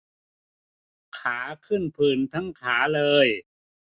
ขาขึ้นผื่นทั้งขาเลย